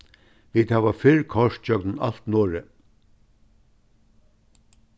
vit hava fyrr koyrt gjøgnum alt noreg